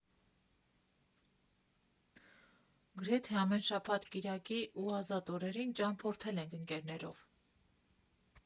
Գրեթե ամեն շաբաթ֊կիրակի ու ազատ օրերին ճամփորդել ենք ընկերներով։